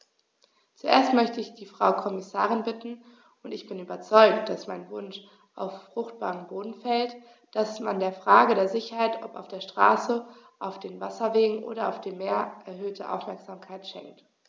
Zuerst möchte ich die Frau Kommissarin bitten - und ich bin überzeugt, dass mein Wunsch auf fruchtbaren Boden fällt -, dass man der Frage der Sicherheit, ob auf der Straße, auf den Wasserwegen oder auf dem Meer, erhöhte Aufmerksamkeit schenkt.